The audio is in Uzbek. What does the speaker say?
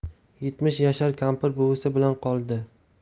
yetmish yashar kampir buvisi bilan qoldi